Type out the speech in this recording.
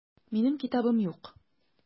Минем китабым юк.